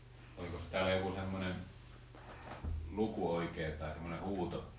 olikos täällä joku semmoinen luku oikein tai semmoinen huuto